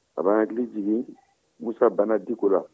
a bɛ an hakili jigin musa bana diko la